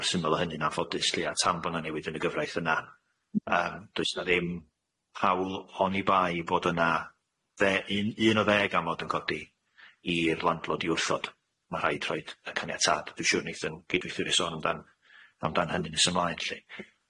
Ma'r syml o hynny'n anffodus o leia tan bo' na newid yn y gyfraith yna yym doesa ddim hawl hon i bai bod yna dde- un- un a ddeg amod yn codi i'r landlord i wrthod ma' rhaid rhoid y caniatâd dwi siŵr neith yn gydweithiwr i sôn amdan amdan hynny nes ymlaen lly.